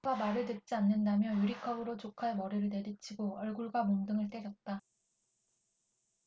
조카가 말을 듣지 않는다며 유리컵으로 조카의 머리를 내리치고 얼굴과 몸 등을 때렸다